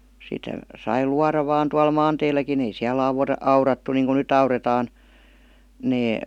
sitä sai luoda vain tuolla maanteilläkin ei siellä - aurattu niin kuin nyt aurataan ne